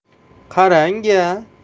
qarang a